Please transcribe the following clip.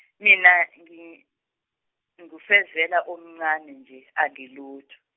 mina ngi- ngingufezela omncane nje angilutho.